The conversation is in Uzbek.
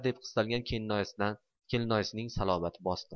deb qistagan kelinoyisining salobati bosdi